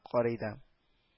Карый да